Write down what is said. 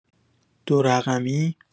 دو رقمی؟